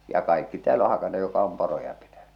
ja kaikki täällä on hakannut joka on poroja pitänyt